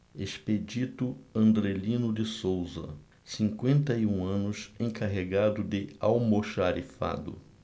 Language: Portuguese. expedito andrelino de souza cinquenta e um anos encarregado de almoxarifado